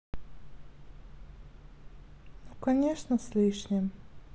ну конечно слишним